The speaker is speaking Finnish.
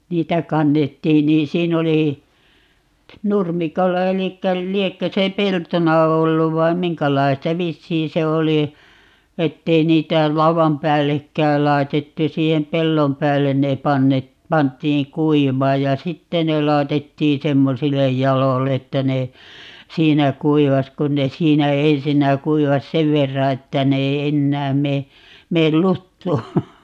niitä kannettiin niin siinä oli nurmikolla eli liekö se peltona ollut vai minkälaista vissiin se oli että ei niitä laudan päällekään laitettu siihen pellon päälle ne - pantiin kuivamaan ja sitten ne laitettiin semmoisille jaloille että ne siinä kuivasi kun ne siinä ensinnä kuivasi sen verran että ne ei enää mene mene luttuun